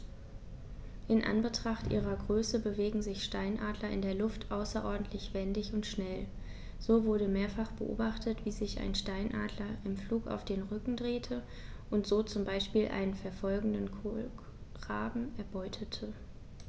In Anbetracht ihrer Größe bewegen sich Steinadler in der Luft außerordentlich wendig und schnell, so wurde mehrfach beobachtet, wie sich ein Steinadler im Flug auf den Rücken drehte und so zum Beispiel einen verfolgenden Kolkraben erbeutete.